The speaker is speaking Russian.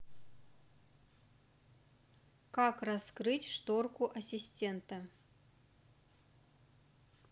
как раскрыть шторку ассистента